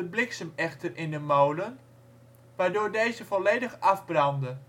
bliksem echter in de molen, waardoor deze volledig afbrandde